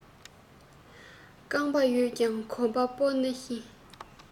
རྐང པ ཡོད ཀྱང གོམ པ སྤོ ནི ཤེས